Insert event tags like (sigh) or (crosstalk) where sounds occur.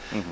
(hesitation) (hesitation)